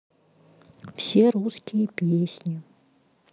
все русские песни